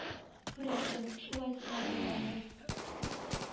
Күрәсең, шулай сынады ул аны,